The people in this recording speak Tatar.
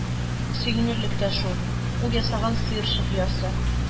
Сөенерлек тә шул: ул ясаган сыерчык оясы